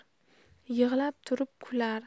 yig'lab turib kular